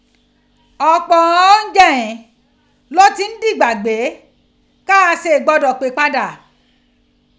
Ọ́pọ́ ighan oúnjẹ ghain ló ti ń di ìgbàgbé, káa se gbọdọ̀ pè padà